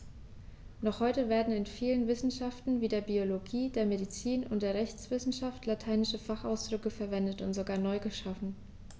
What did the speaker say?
Noch heute werden in vielen Wissenschaften wie der Biologie, der Medizin und der Rechtswissenschaft lateinische Fachausdrücke verwendet und sogar neu geschaffen.